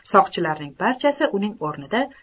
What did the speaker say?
soqchilarning barchasi uning o'rnida